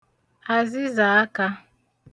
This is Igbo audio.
àzịzàakā